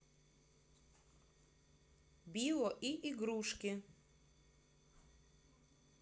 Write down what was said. бибо и игрушки